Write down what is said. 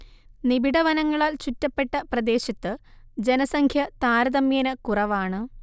നിബിഢ വനങ്ങളാൽ ചുറ്റപ്പെട്ട പ്രദേശത്ത് ജനസംഖ്യ താരതമ്യേന കുറവാണ്